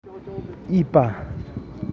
འོས པ